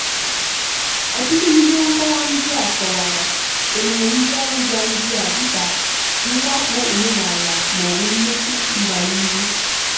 Ọtụtụ n'ime nkọwa ndị a kọwara emume mbịarambịa ndị a dịka "mwakpo omenala" mọọbụ "mmechu mba ihu"."